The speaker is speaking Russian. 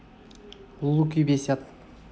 луки бесят